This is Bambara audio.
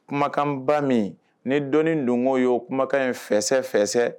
Kumakanba min ni dɔn don o y ye o kumakan in fɛsɛ fɛsɛ